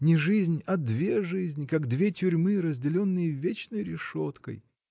не жизнь, а две жизни, как две тюрьмы, разделенные вечной решеткой.